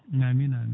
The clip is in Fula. amine amine